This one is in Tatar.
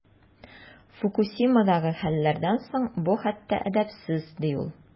Фукусимадагы хәлләрдән соң бу хәтта әдәпсез, ди ул.